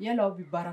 yala aw bɛ baara